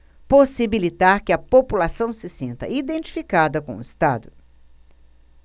possibilitar que a população se sinta identificada com o estado